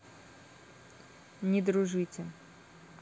не дружите